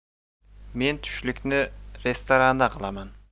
men tushlikni restoranda qilaman